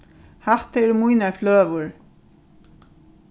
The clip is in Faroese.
hatta eru mínar fløgur